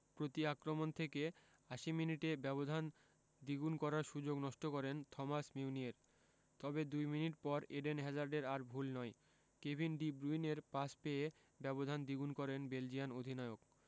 প্রতি আক্রমণ থেকে ৮০ মিনিটে ব্যবধান দ্বিগুণ করার সুযোগ নষ্ট করেন থমাস মিউনিয়ের তবে দুই মিনিট পর এডেন হ্যাজার্ডের আর ভুল নয় কেভিন ডি ব্রুইনের পাস পেয়ে ব্যবধান দ্বিগুণ করেন বেলজিয়ান অধিনায়ক